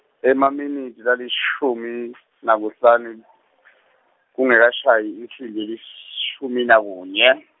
emaminitsi lalishumi , nakuhlane , kungekashayi insimbi lish- shumi nakunye.